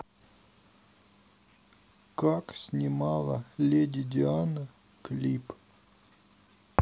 как снимала леди диана клип